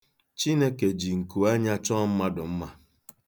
Chineke ji nkuanya chọọ mmadụ mma.